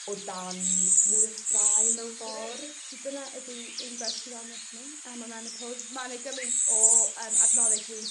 o dan mwy o strain mewn ffor. So dyna ydi ein gwers gwyddonieth ni am y menopos. Ma' 'na gymaint o yym adnodde gwych